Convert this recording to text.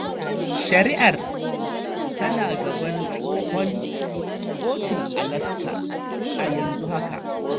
Shari’ar tana gaban Tsohon Kotun Alaska a yanzu haka.